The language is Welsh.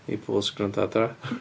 I bobl sy'n gwrando adra.